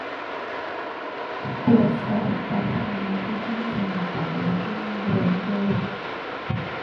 ตรวจสอบปัญหาที่เราแจ้งไปอย่างรวดเร็ว